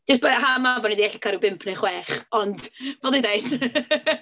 Jyst bod y haf 'ma bo' ni 'di gallu cael ryw bump neu chwech, ond fel dwi'n deud!